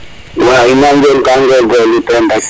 waaw ina njem ka ngorngorlu ten rek